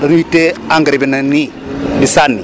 dana ñuy téye engrais bi ne nii di sànni